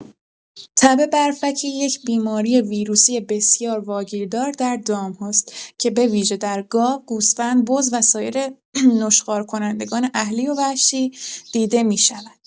تب برفکی یک بیماری ویروسی بسیار واگیردار در دام‌هاست که به‌ویژه در گاو، گوسفند، بز و سایر نشخوارکنندگان اهلی و وحشی دیده می‌شود.